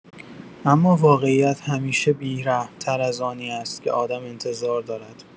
اما واقعیت همیشه بی‌رحم‌تر از آنی است که آدم انتظار دارد.